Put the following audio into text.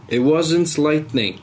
It wasn't lightning.